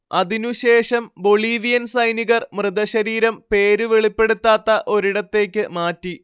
അതിനുശേഷം ബൊളീവിയൻ സൈനികർ മൃതശരീരം പേര് വെളിപ്പെടുത്താത്ത ഒരിടത്തേക്ക് മാറ്റി